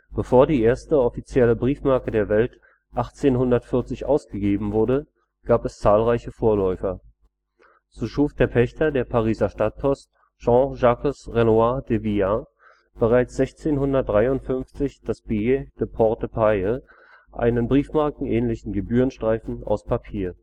Bevor die erste offizielle Briefmarke der Welt 1840 ausgegeben wurde, gab es zahlreiche Vorläufer. So schuf der Pächter der Pariser Stadtpost, Jean-Jacques Renouard de Villayer, bereits 1653 das Billet de port payé, einen briefmarkenähnlichen Gebührenstreifen aus Papier